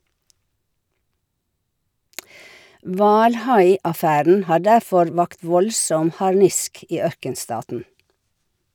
Hvalhaiaffæren har derfor vakt voldsom harnisk i ørkenstaten.